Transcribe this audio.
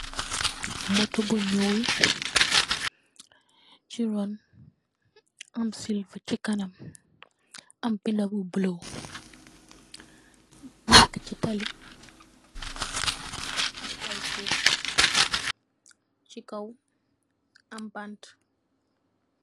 "motto" bu ñuul, ci ron, am ci kanam bindë bu buluu, nekkë ci talli, ak ay suuf, ci kow, am bantë.